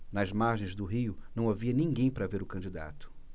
nas margens do rio não havia ninguém para ver o candidato